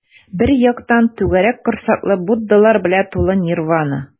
Бер яктан - түгәрәк корсаклы буддалар белән тулы нирвана.